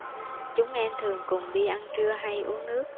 chúng em thường cùng đi ăn trưa hay uống nước